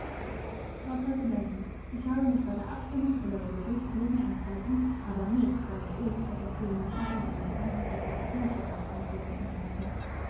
Frau Präsidentin, ich habe mich bei der Abstimmung über den Bericht Lehne enthalten, aber nicht, weil ich irgend etwas gegen die Schaffung eines einheitlichen Patentschutzes einzuwenden habe.